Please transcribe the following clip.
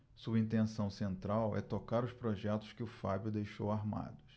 sua intenção central é tocar os projetos que o fábio deixou armados